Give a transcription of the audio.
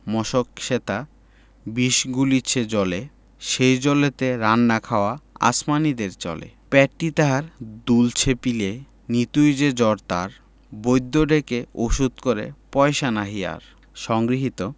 মশক সেথা বিষ গুলিছে জলে সেই জলেতে রান্না খাওয়া আসমানীদের চলে পেটটি তাহার দুলছে পিলেয় নিতুই যে জ্বর তার বৈদ্য ডেকে ওষুধ করে পয়সা নাহি আর সংগৃহীত